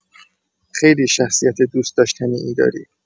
خیلی شخصیت دوست‌داشتنی داری